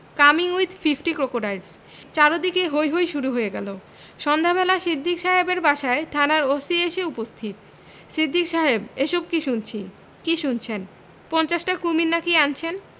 coming with fifty crocodiles চারদিকে হৈ হৈ শুরু হয়ে গেল সন্ধ্যাবেলা সিদ্দিক সাহেবের বাসায় থানার ওসি এসে উপস্থিত 'সিদ্দিক সাহেব এসব কি শুনছি কি শুনছেন পঞ্চাশটা কুমীর না কি আনছেন